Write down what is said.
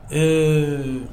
Ɛɛ